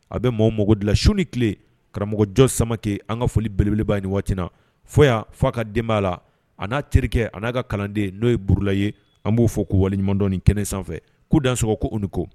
A bɛ maaw mako dilans ni tile karamɔgɔjɔ sama kɛ an ka foli beleba ni waati na fɔ y' faa ka den bbayaa la a n'a terikɛ ani n'a ka kalanden n'o ye burula ye an b'o fɔ k'u waleɲumandɔ kɛnɛ sanfɛ ko dansoɔgɔ ko u ko